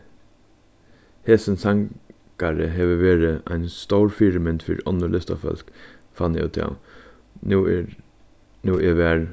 hesin sangari hevur verið ein stór fyrimynd fyri onnur listafólk fann eg útav nú er nú eg var